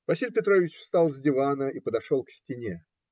Василий Петрович встал с дивана и подошел к стене.